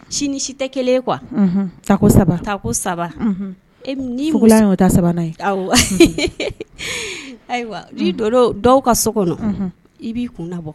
Si ni si tɛ kelen quoi unhun, ta ko 3 , ta ko 3, unhun, fugulan y'o ta 3 nan, awɔ ayiwa ni donna dɔw ka so kɔnɔ, unhun, b'i kun labɔ.